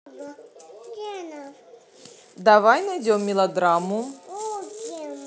давай найдем мелодраму